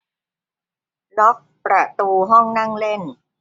ล็อคประตูห้องนั่งเล่น